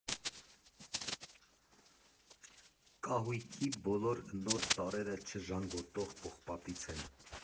Կահույքի բոլոր նոր տարրերը չժանգոտող պողպատից են։